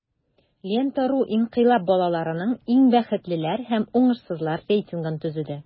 "лента.ру" инкыйлаб балаларының иң бәхетлеләр һәм уңышсызлар рейтингын төзеде.